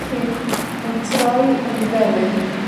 chi yn troi yn felyn,